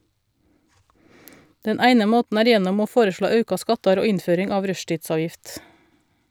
Den eine måten er gjennom å foreslå auka skattar og innføring av rushtidsavgift.